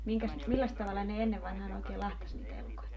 - milläs tavalla ne ennen vanhaan oikein lahtasi niitä elukoita